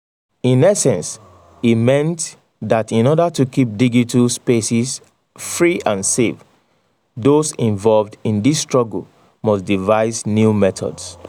In essence, he meant that in order to keep digital spaces free and safe, those involved in this struggle must devise new methods.